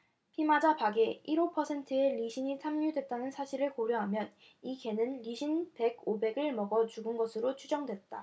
피마자박에 일 오 퍼센트의 리신이 함유됐다는 사실을 고려하면 이 개는 리신 백 오백 을 먹어 죽은 것으로 추정됐다